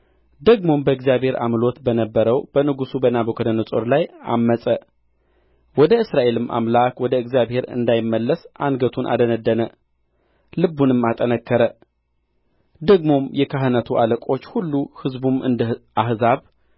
ደግሞም በእግዚአብሔር አምሎት በነበረው በንጉሡ በናቡከደነፆር ላይ ዐመፀ ወደ እስራኤልም አምላክ ወደ እግዚአብሔር እንዳይመለስ አንገቱን አደነደነ ልቡንም አጠነከረ ደግሞም የካህናቱ አለቆች ሁሉ ሕዝቡም እንደ አሕዛብ